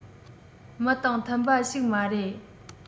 མི དང མཐུན པ ཞིག མ རེད